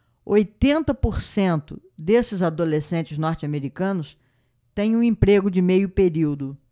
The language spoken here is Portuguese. oitenta por cento desses adolescentes norte-americanos têm um emprego de meio período